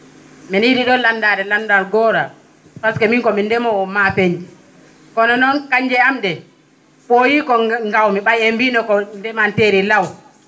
mi yii?i noon lamdade lamdal gotal pasque min komi ndemo?o mafaji kono noon kanjje am ?e ?ooyi ko ko gawmi ?ay ?e mbino ko ndemanteeri law